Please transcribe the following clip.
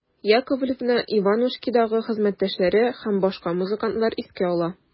Яковлевны «Иванушки»дагы хезмәттәшләре һәм башка музыкантлар искә ала.